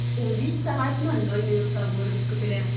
15.00 сәгатьтә булыр дип көтелә.